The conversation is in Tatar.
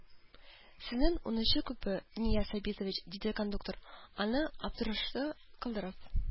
Сезнең унынчы купе, Нияз Сабитович, диде кондуктор, аны аптырашта калдырып.